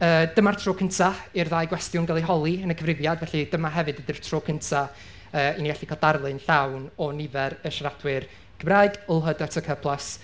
yy dyma'r tro cynta i'r ddau gwestiwn gael eu holi yn y cyfrifiad, felly dyma hefyd ydi'r tro cynta yy i ni allu cael darlun llawn o nifer y siaradwyr Cymraeg LHDTC plus